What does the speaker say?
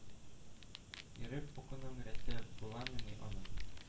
Йөреп укуның рәте буламыни аның.